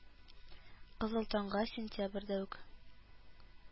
Кызыл таң га сентябрьдә үк